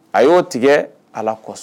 A y'o tigɛ ala kosɔn